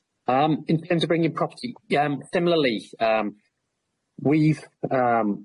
Erm in in t- of bringing property erm similarly erm we've erm.